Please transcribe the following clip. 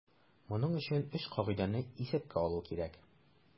Моның өчен өч кагыйдәне исәпкә алу кирәк.